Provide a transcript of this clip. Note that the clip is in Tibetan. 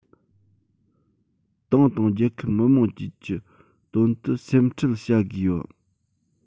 ཏང དང རྒྱལ ཁབ མི དམངས བཅས ཀྱི དོན དུ སེམས ཁྲལ བྱ དགོས པ